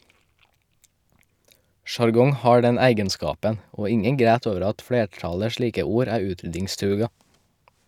Sjargong har den eigenskapen, og ingen græt over at flertallet slike ord er utryddingstruga.